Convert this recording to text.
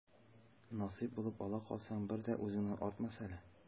Насыйп булып ала калсаң, бер дә үзеңнән артмас әле.